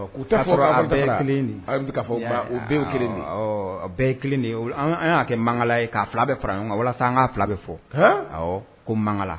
I bi ta sɔrɔ, a bɛ ye kelen de u bɛ ye kelen de, u bɛ ye kelen ye de, an y'a kɛ mangala ka fila bɛ fara ɲɔgɔn kan walasa an ka fila bɛ fɔ ko mankala, Han!